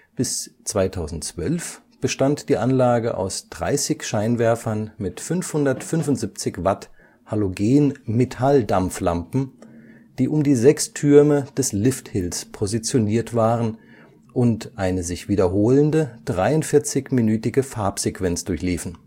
Bis 2012 bestand die Anlage aus 30 Scheinwerfern mit 575 W Halogenmetalldampflampen, die um die sechs Türme des Lifthills positioniert waren und eine sich wiederholende 43-minütige Farbsequenz durchliefen